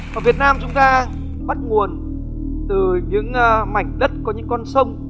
ở việt nam chúng ta bắt nguồn từ những mảnh đất có những con sông